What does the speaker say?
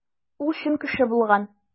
Ул чын кеше булган.